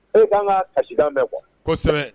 E ka kan k'a kasikan mɛn quoi kosɛbɛ.